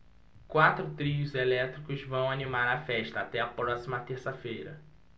quatro trios elétricos vão animar a festa até a próxima terça-feira